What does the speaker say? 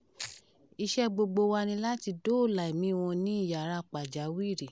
Iṣẹ́ẹ gbogbo wa ni láti dóòlà ẹ̀míi wọn ní yàráa pàjàwìrì.